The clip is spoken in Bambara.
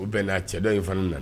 U bɛnna cɛ dɔ in fana nana